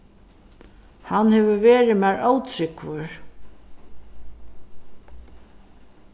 hann hevur verið mær ótrúgvur